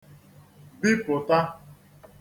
bipụta